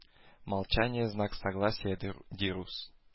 Молчание знак согласия ди ди рус